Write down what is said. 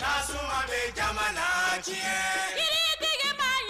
Sabamini jama diɲɛ jigitigiba